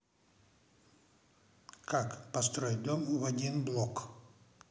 как построить дом в один блок